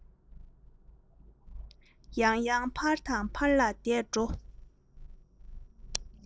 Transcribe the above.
ཡང ཡང ཕར དང ཕར ལ བདས འགྲོ